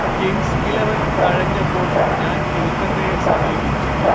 Kings Eleven തഴഞ്ഞപ്പോൾ ഞാൻ കൊൽക്കത്തയെ സമീപിച്ചു